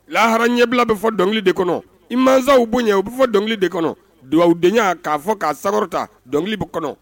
Lahara ɲɛbila bɛ fɔ dɔnkili de kɔnɔ. I mansaw bonya u bɛ fɔ dɔnkili de kɔnɔ. Dugawu denya k'a fɔ k'a sankɔrɔ ta dɔnkili de kɔnɔ.